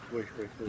oui oui oui